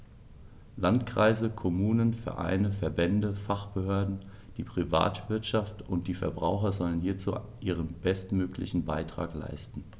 Landkreise, Kommunen, Vereine, Verbände, Fachbehörden, die Privatwirtschaft und die Verbraucher sollen hierzu ihren bestmöglichen Beitrag leisten.